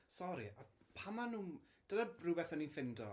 Sori, pam maen nhw... dyna rhywbeth o'n i'n ffindo.